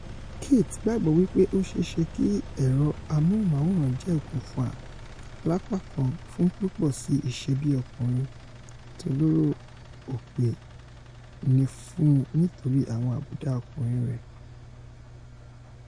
Kit gbàgbọ́ wí pé ó ṣeé ṣe kí ẹ̀rọ amóhùnmáwòrán jẹ́ okùnfà lápá kàn fún pípọ̀síi ìṣebí-ọkùnrin tólóró ọpẹ́ ni fún un nítorí àwọn àbùdá ọkùnrin rẹ̀.